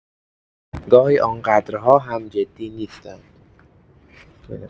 گاهی آن‌قدرها هم جدی نیستند.